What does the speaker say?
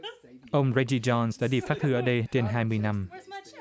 ông rây đi tron đi phát thư ở đây trên hai mươi năm